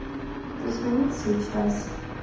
позвонить сейчас